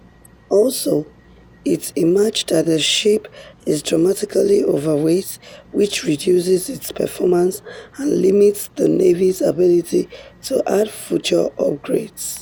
Also, it emerged that the ship is dramatically overweight which reduces its performance and limits the Navy's ability to add future upgrades.